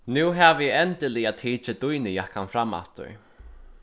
nú havi eg endiliga tikið dýnujakkan fram aftur